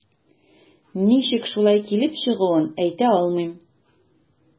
Ничек шулай килеп чыгуын әйтә алмыйм.